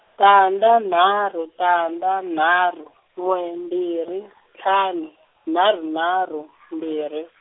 tandza nharhu tandza nharhu, n'we mbirhi, ntlhanu, nharhu nharhu, mbirhi.